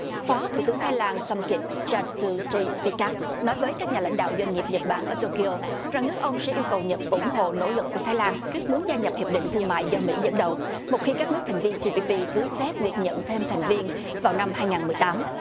phó thủ tướng thái lan săm kịt cha tu thờ ri pi các nói với các nhà lãnh đạo doanh nghiệp nhật bản ở tô ki ô rằng nước ông sẽ yêu cầu nhật ủng hộ nỗ lực của thái lan muốn gia nhập hiệp định thương mại do mỹ dẫn đầu một khi các nước thành viên ti pi pi cứu xét việc nhận thêm thành viên vào năm hai ngàn mười tám